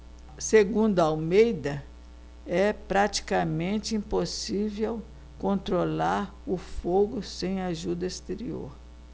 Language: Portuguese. segundo almeida é praticamente impossível controlar o fogo sem ajuda exterior